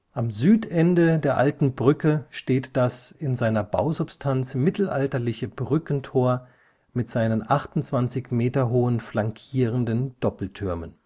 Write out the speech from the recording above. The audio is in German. Am Südende der Alten Brücke steht das in seiner Bausubstanz mittelalterliche Brückentor mit seinen 28 Meter hohen flankierenden Doppeltürmen